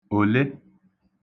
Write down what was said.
òle